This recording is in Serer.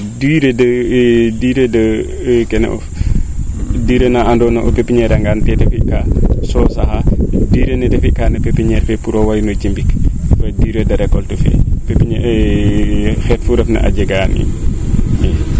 durer de kene of durer na ando naye o pepiniere angaan kete fi ka si saxaa durer ne te fi ka pepiniere fee pour way no jimik durer de recolte fee xeet fu refna a jegaan i